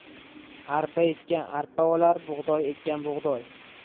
arpa ekkan arpa olar bug'doy ekkan bug'doy